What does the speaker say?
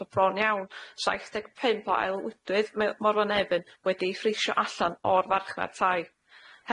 fod bron iawn saith deg pump o eulwydwydd M- morfa Nefyn wedi'i phrisho allan o'r farchnad tai.